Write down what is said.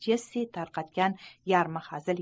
jessi tarqatgan yarmi hazil